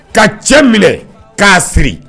Ka cɛ minɛ k'a siri